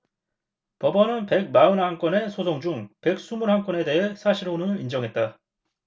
법원은 백 마흔 한 건의 소송 중 백 스물 한 건에 대해 사실혼을 인정했다